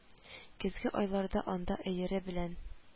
Көзге айларда анда өере белән